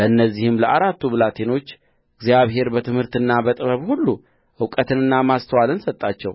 ለእነዚህም ለአራቱ ብላቴኖች እግዚአብሔር በትምህርትና በጥበብ ሁሉ እውቀትንና ማስተዋልን ሰጣቸው